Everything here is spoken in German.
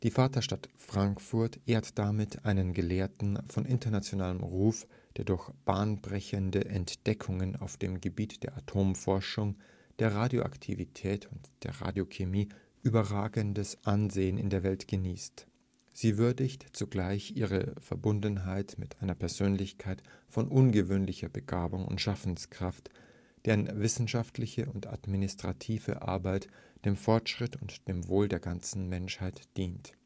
Vaterstadt Frankfurt ehrt damit einen Gelehrten von internationalem Ruf, der durch bahnbrechende Entdeckungen auf dem Gebiet der Atomforschung, der Radioaktivität und der Radiochemie überragendes Ansehen in der Welt genießt. Sie würdigt zugleich ihre Verbundenheit mit einer Persönlichkeit von ungewöhnlicher Begabung und Schaffenskraft, deren wissenschaftliche und administrative Arbeit dem Fortschritt und dem Wohl der ganzen Menschheit dient